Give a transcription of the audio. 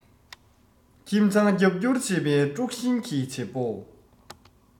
ཁྱིམ ཚང རྒྱབ བསྐྱུར བྱེད པའི དཀྲུག ཤིང གི བྱེད པོ